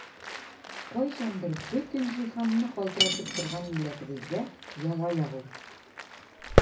Кайчандыр бөтен җиһанны калтыратып торган милләтебезгә яла ягу!